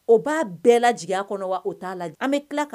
O b'a bɛɛ la juguyaya kɔnɔ wa o t'a la an bɛ tila kan